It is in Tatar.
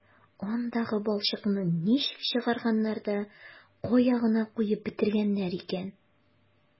Андагы балчыкны ничек чыгарганнар да кая гына куеп бетергәннәр икән...